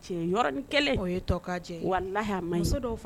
Cɛ ye